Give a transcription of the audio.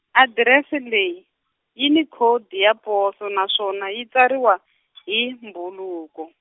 adirese leyi, yi ni khodi ya poso naswona yi tsariwa, hi mbhuluko.